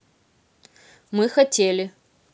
мы хотели